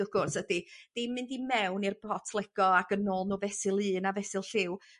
wrth gwrs ydi dim mynd i mewn i'r pot Lego ag yn nôl nw fesul un a fesul lliw.